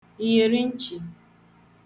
ìyèri nchị̀